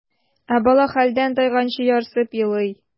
Ә бала хәлдән тайганчы ярсып елый.